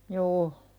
juu